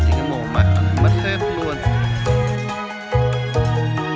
mọi người có